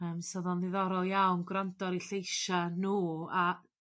Yym so odd o'n ddiddorol iawn gwrando ar 'u lleisia' nhw a